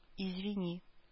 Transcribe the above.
Извини